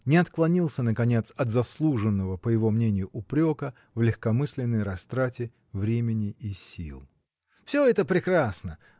не отклонился, наконец, от заслуженного, по его мнению, упрека в легкомысленной растрате времени и сил. -- Все это прекрасно!